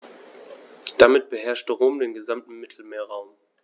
Damit beherrschte Rom den gesamten Mittelmeerraum.